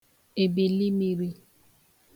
èbìlimiri